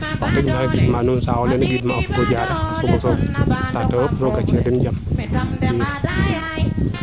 maxey gidma nuun o saaxo leene gid ma o fogo Diarekh saate fee fop rooga ciya den jam i